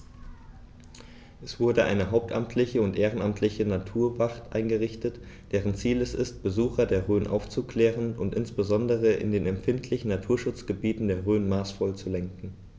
Es wurde eine hauptamtliche und ehrenamtliche Naturwacht eingerichtet, deren Ziel es ist, Besucher der Rhön aufzuklären und insbesondere in den empfindlichen Naturschutzgebieten der Rhön maßvoll zu lenken.